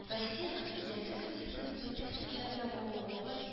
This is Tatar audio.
Россиянең киләсе көне сезнең бүген техник иҗат белән мавыгуыгыз